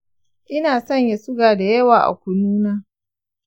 ina sanya suga da yawa ga kununa.